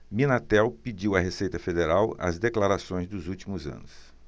minatel pediu à receita federal as declarações dos últimos anos